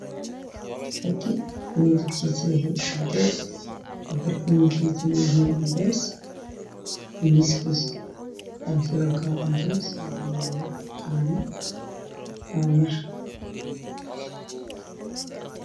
Meeshaan waxaa ka muuqdo fadhi midabkiisa yahay cadees